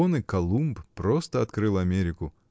Вон и Колумб просто открыл Америку.